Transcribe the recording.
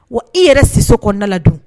Wa e yɛrɛ si kɔnɔna na ladon